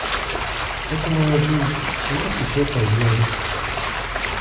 это моя жизнь я кислотная девочка